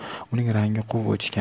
uning rangi quv o'chgan